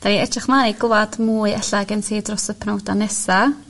'da ni'n edrych mlaen i glywad mwy ella gen ti dros y penawda nesa